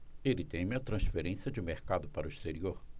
ele teme a transferência de mercado para o exterior